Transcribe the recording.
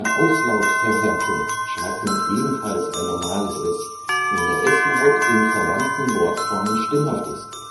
Auslautverhärtung schreibt man ebenfalls s, wenn der s-Laut in verwandten Wortformen stimmhaft ist